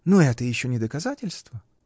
-- Ну, это еще не доказательство.